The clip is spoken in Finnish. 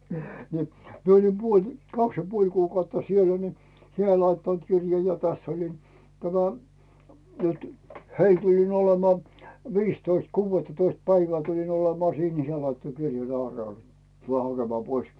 niin minä olin puoli kaksi ja puoli kuukautta siellä niin heille laittanut kirjan ja tässä olin tämä nyt heille tulin olemaan viisitoista kuudettatoista päivää tulin olemaan siinä niin se laittoi kirjan Aarnelle tule hakemaan pois